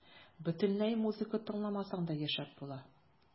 Бөтенләй музыка тыңламасаң да яшәп була.